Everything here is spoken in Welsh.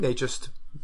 Neu jyst